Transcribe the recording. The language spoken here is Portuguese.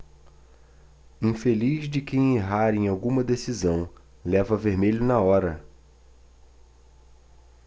infeliz de quem errar em alguma decisão leva vermelho na hora